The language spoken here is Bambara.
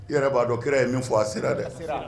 I yɛrɛ b'a dɔn kira ye min fɔ a sera dɛ